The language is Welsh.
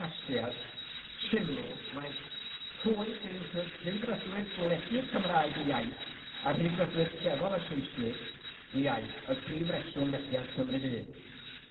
casgliad, syml, mai rhwy- dring- rhyw- Rhyddfrydwyr gwledig Cymraeg eu iaith, a Rhyddfrydwyr trefol o Saesnig 'u iaith, oedd prif reswm methiant Cymru Fydd.